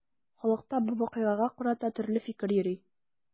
Халыкта бу вакыйгага карата төрле фикер йөри.